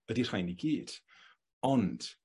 ydi rhain i gyd. Ond